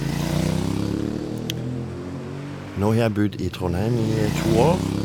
Nå har jeg bodd i Trondheim i to år.